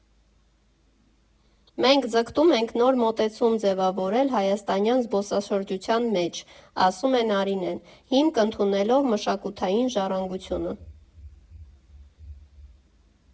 «Մենք ձգտում ենք նոր մոտեցում ձևավորել Հայաստանյան զբոսաշրջության մեջ,֊ ասում է Նարինեն,֊ հիմք ընդունելով մշակութային ժառանգությունը»։